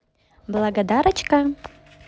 благодарочка